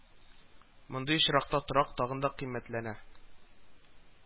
Мондый очракта торак тагын да кыйммәтләнә